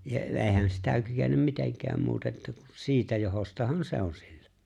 ja eihän sitä kykene mitenkään muuten että kun siitä johdostahan se on sillä